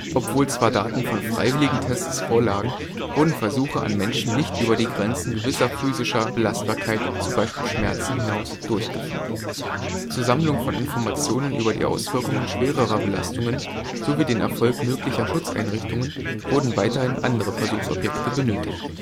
Obwohl zwar Daten von Freiwilligentests vorlagen, wurden Versuche an Menschen nicht über die Grenzen gewisser physischer Belastbarkeit (z.B. Schmerzen) hinaus durchgeführt. Zur Sammlung von Informationen über die Auswirkungen schwererer Belastungen sowie den Erfolg möglicher Schutzeinrichtungen wurden weiterhin andere Versuchsobjekte benötigt